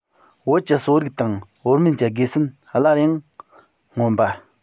བོད ཀྱི གསོ རིག དང བོད སྨན གྱི དགེ མཚན སླར ཡང མངོན པ